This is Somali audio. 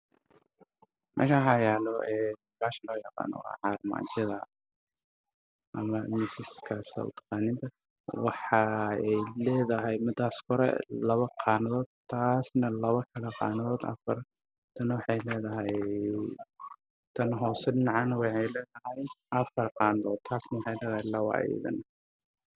Meshan waxa yaalo bahasha loo yaqaano Armaajada ama miisaska sa u taqaaninba waxa ay ledehay midas kore laba Qaanadood taasna laba kale qanadood camal adi tana waxay ledahay tan hoose dhinacan waxay ledehay Afar qanadood Tana waxay ledahay Labo ayadana